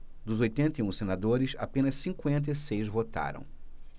dos oitenta e um senadores apenas cinquenta e seis votaram